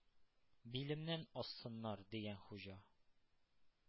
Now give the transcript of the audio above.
Билемнән ассыннар,— дигән Хуҗа.